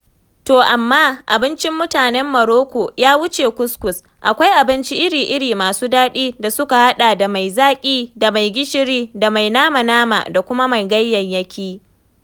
To amma abincin mutanen Morocco ya wuce kuskus, akwai abinci iri-iri masu daɗi da suka haɗa mai zaƙi da mai gishiri da mai nama-nama da kuma mai ganyayyaki.